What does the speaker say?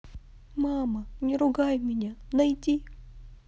мама не ругай меня найди